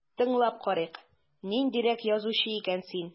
Тыңлап карыйк, ниндирәк язучы икән син...